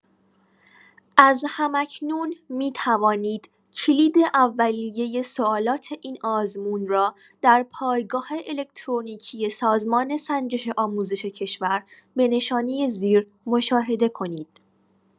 از هم‌اکنون می‌توانید کلید اولیه سوالات این آزمون را در پایگاه الکترونیکی سازمان سنجش آموزش کشور به نشانی زیر مشاهده کنید.